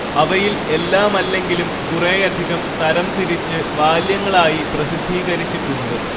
അവയിൽ എല്ലാമല്ലെങ്കിലും കുറേയധികം തരംതിരിച്ച് വാല്യങ്ങളായി പ്രസിദ്ധീകരിച്ചിട്ടുണ്ട്